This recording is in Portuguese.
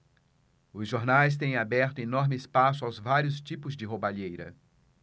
os jornais têm aberto enorme espaço aos vários tipos de roubalheira